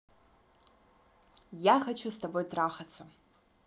я хочу с тобой трахаться